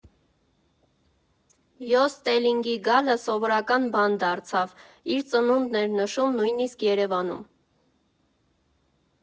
Յոս Ստելինգի գալը սովորական բան դարձավ, իր ծնունդն էր նշում նույնիսկ Երևանում։